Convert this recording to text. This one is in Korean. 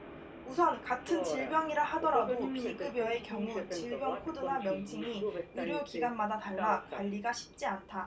우선 같은 질병이라 하더라도 비급여의 경우 질병 코드나 명칭이 의료기관마다 달라 관리가 쉽지 않다